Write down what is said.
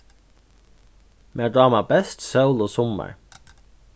mær dámar best sól og summar